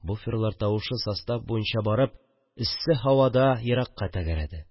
Буферлар тавышы состав буенча барып эссе һавада еракка тәгәрәде